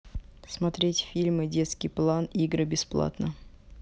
смотреть фильм детский план игры бесплатно